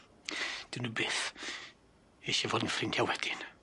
'Dy nw byth isie fod yn ffrindie wedyn.